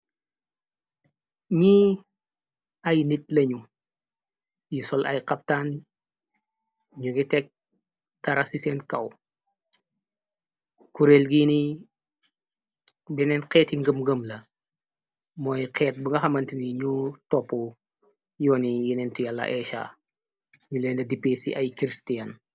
Nyi ay nit lañu yi sol ay xaptaan ñu nge tekk tarax ci seen kaw. kureel gini benneen xeetyi ngëm gëm la.mooy xeet bu nga xamantini ñu toppu yooni yeneentu yàla ésia ñu lend dip ci ay christian.